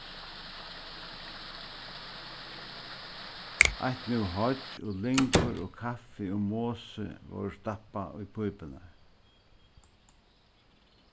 eitt nú hoyggj og lyngur og kaffi og mosi vórðu stappað í pípurnar